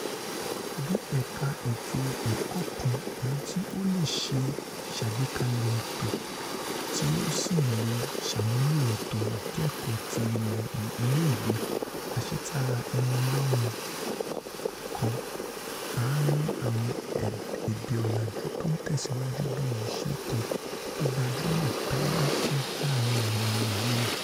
Bí ẹ̀ka ètò ẹ̀kọ́ kan èyití ó leè ṣàgbékalẹ̀ ètò tí ó sì leè ṣàmúlò ètò ìkẹkọ̀ọ́ ti ilé ìwé àṣetẹ́ra-ẹnilọ́rùn kan, a ńrí àwọn èdè ọ̀làjù tó ńtẹ̀síwájú bí iṣẹ́ kan tógbajúmọ̀ táyé-ńfẹ́ láàrin àwọn ilé ìwé.